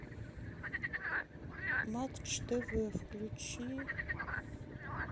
матч тв включи